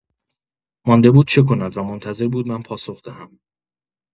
مانده بود چه کند و منتظر بود من پاسخ دهم.